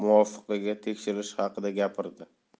daromadiga muvofiqligi tekshirilishi haqida gapirdi